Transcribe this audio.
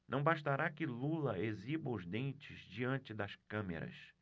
não bastará que lula exiba os dentes diante das câmeras